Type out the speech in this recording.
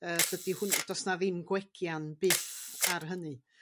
Yy dydi hw- do's 'na ddim gwegian byth ar hynny.